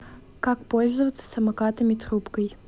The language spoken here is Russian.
как пользоваться самокатами трубкой